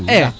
ey